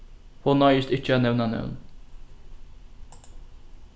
hon noyðist ikki at nevna nøvn